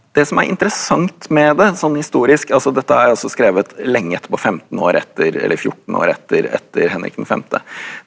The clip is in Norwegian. det som er interessant med det sånn historisk altså dette er altså skrevet lenge etterpå 15 år etter eller 14 år etter etter Henrik den femte.